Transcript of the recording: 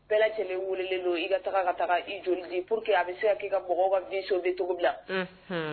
Bɛɛ lajɛlen weelelen don i ka ka taa i joli pour que a bɛ se ka kɛ ka mɔɔgɔw ka vie sauver cogo min na, unhun.